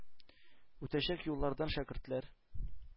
Үтәчәк юллардан шәкертләр